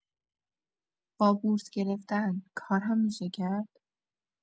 با بورس گرفتن کار هم می‌شه کرد؟